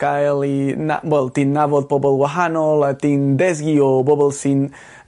gael 'i na- wel ti nabod pobol wahanol a ti'n dysgu o bobol sy'n